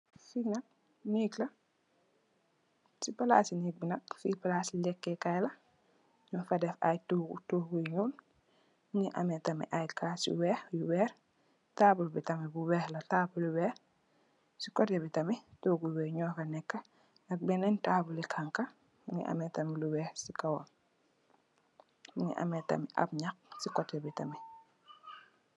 Fi nak nèeg la, ci palaas ci nèeg bi nak fi palaas ci lekkèkaay la mung fa def ay toogu, toogu yu ñuul, mungi ameh tamit ay caas yu weeh, taabul bi tamit bu weeh la. Ci kotè bi tamit wënn nyo fa nekka ak benen taabul li hangha, mungi ameh tamit lu weeh ci kawam, mungi ameh tamit ab nëh ci kotè bi tamit.